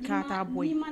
' t'a bɔ yen